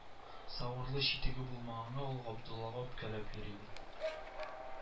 Савырлы читеге булмаганга ул Габдуллага үпкәләп йөри бит